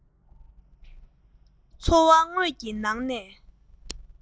འཚོ བ དངོས ཀྱི ནང ནས